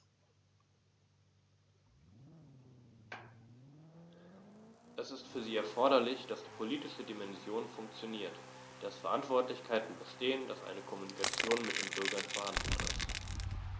Es ist für sie erforderlich, dass die politische Dimension funktioniert, dass Verantwortlichkeiten bestehen, dass eine Kommunikation mit den Bürgern vorhanden ist.